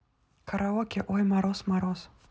караоке ой мороз мороз